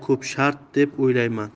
ko'p shart deb o'ylayman